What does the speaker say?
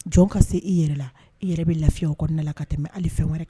Jɔn ka se i yɛrɛ la i yɛrɛ bɛ lafiyaw kɔnɔna la ka tɛmɛ ali fɛ wɛrɛ